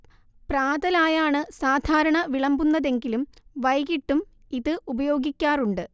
പ്രാതലായാണ് സാധാരണ വിളമ്പുന്നതെങ്കിലും വൈകീട്ടും ഇത് ഉപയോഗിക്കാറുണ്ട്